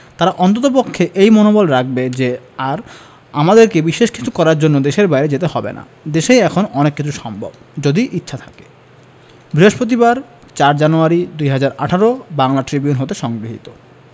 তারা অন্ততপক্ষে এই মনোবল রাখবে যে আর আমাদেরকে বিশেষ কিছু করার জন্য দেশের বাইরে যেতে হবে না দেশেই এখন অনেক কিছু সম্ভব যদি ইচ্ছা থাকে বৃহস্পতিবার ০৪ জানুয়ারি ২০১৮ বাংলা ট্রিবিউন হতে সংগৃহীত